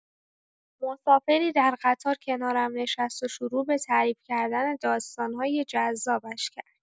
مسافری در قطار کنارم نشست و شروع به تعریف کردن داستان‌های جذابش کرد.